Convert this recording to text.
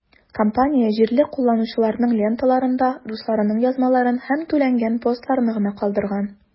Компания җирле кулланучыларның ленталарында дусларының язмаларын һәм түләнгән постларны гына калдырган.